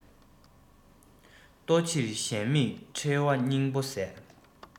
ལྟོ ཕྱིར གཞན མིག ཁྲེལ བ སྙིང པོ ཟད